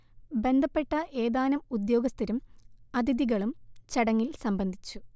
ബന്ധപ്പെട്ട ഏതാനും ഉദേൃാഗസ്ഥരും അതിഥികളും ചടങ്ങിൽ സംബന്ധിച്ചു